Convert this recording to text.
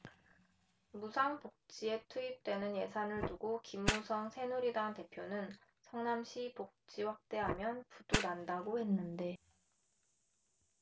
무상 복지에 투입되는 예산을 두고 김무성 새누리당 대표는 성남시 복지확대하면 부도 난다고 했는데